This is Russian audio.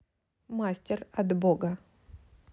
мастер от бога